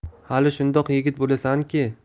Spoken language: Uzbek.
hali shundoq yigit bo'lasanki